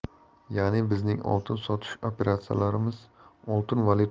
ya'ni bizning oltin sotish operatsiyalarimiz oltin valyuta